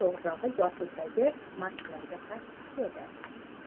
to'g'rirog'i yoshlikdagi mashqlariga qarshi chiqishi edi